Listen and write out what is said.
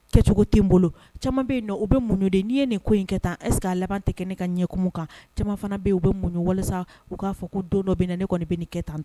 Kɛcogo tɛ n bolo caman bɛ ye nɔ u bɛ muɲu de ni n ye nin ko in kɛ tan est ce que a laban tɛ kɛ ne ka ɲɛkunun kan caman fana bɛ u bɛ munɲ walasa u k'a fɔ ko don dɔ bɛ na ne kɔni bɛ